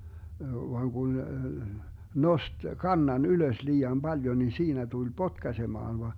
vaan kun nosti kannan ylös liian paljon niin siinä tuli potkaisemaan vaan